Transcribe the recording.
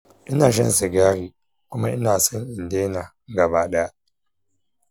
ina shan sigari kuma ina son in daina gaba ɗaya